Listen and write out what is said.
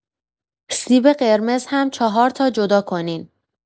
سیب قرمز هم چهار تا جدا کنین.